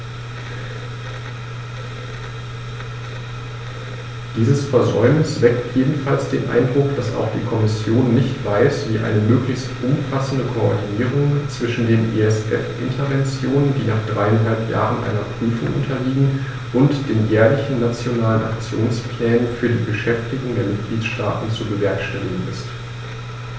Dieses Versäumnis weckt jedenfalls den Eindruck, dass auch die Kommission nicht weiß, wie eine möglichst umfassende Koordinierung zwischen den ESF-Interventionen, die nach dreieinhalb Jahren einer Prüfung unterliegen, und den jährlichen Nationalen Aktionsplänen für die Beschäftigung der Mitgliedstaaten zu bewerkstelligen ist.